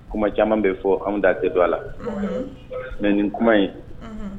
Kuma caman bɛ fɔ anw da tɛ to a la mɛ nin kuma ye